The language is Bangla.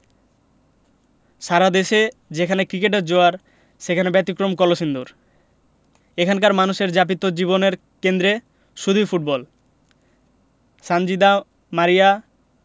সারা দেশে যেখানে ক্রিকেটের জোয়ার সেখানে ব্যতিক্রম কলসিন্দুর এখানকার মানুষের যাপিত জীবনের কেন্দ্রে শুধুই ফুটবল সানজিদা মারিয়া